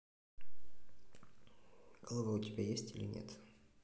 голова у тебя есть или нет